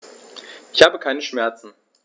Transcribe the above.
Ich habe keine Schmerzen.